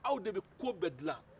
aw de bɛ ko bɛɛ dilan